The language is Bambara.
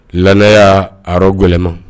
Laanaya aɔrɔ gɛlɛɛlɛma